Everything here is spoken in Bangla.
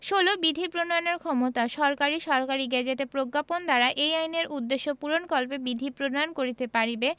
১৬ বিধি প্রণয়নের ক্ষমতাঃ সরকার সরকারী গেজেটে প্রজ্ঞাপন দ্বারা এই আইনের উদ্দেশ্য পূরণকল্পে বিধি প্রণয়ন করিতে পারিবে